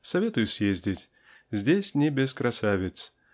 Советую съездить: здесь не без красавиц.